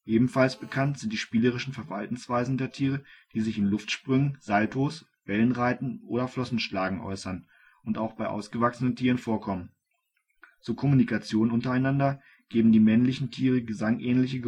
Ebenfalls bekannt sind die spielerischen Verhaltensweisen der Tiere, die sich in Luftsprüngen, Saltos, Wellenreiten oder Flossenschlagen äußern und auch bei ausgewachsenen Tieren vorkommen. Zur Kommunikation untereinander geben die männlichen Tiere gesangsähnliche